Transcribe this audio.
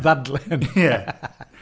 Ddadlen, ie